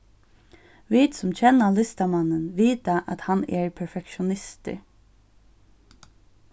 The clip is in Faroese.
vit sum kenna listamannin vita at hann er perfektionistur